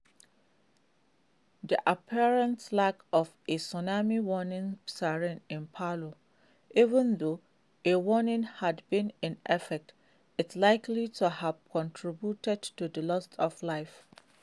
The apparent lack of a tsunami warning siren in Palu, even though a warning had been in effect, is likely to have contributed to the loss of life.